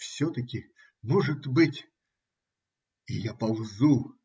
Все-таки, может быть. И я ползу.